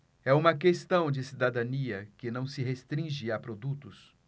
é uma questão de cidadania que não se restringe a produtos